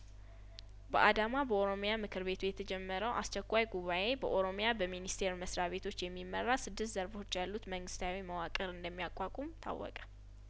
በአዳማ በኦሮሚያ ምክር ቤቱ የተጀመረው አስቸኳይጉባኤ በኦሮሚያ በሚኒስቴር መስሪያ ቤቶች የሚመራ ስድስት ዘርፎች ያሉት መንግስታዊ መዋቅር እንደሚያቋቁም ታወቀ